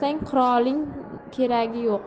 qurolning keragi yo'q